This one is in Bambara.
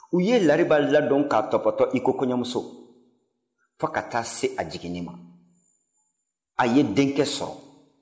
u ye lariba ladon k'a tɔpɔtɔ iko kɔɲɔmuso fɔ ka t'a se a jiginni ma a ye denkɛ sɔrɔ